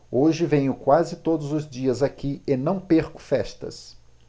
hoje venho quase todos os dias aqui e não perco festas